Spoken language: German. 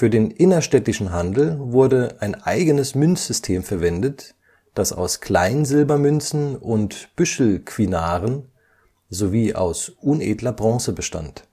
den innerstädtischen Handel wurde ein eigenes Münzsystem verwendet, das aus Kleinsilbermünzen und Büschelquinaren, sowie aus unedler Bronze (Potin) bestand